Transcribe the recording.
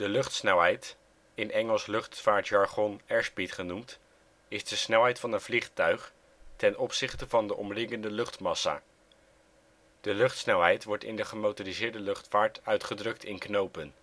luchtsnelheid, in Engels luchtvaartjargon airspeed genoemd, is de snelheid van een vliegtuig ten opzichte van de omringende luchtmassa. De luchtsnelheid wordt in de gemotoriseerde luchtvaart uitgedrukt in knopen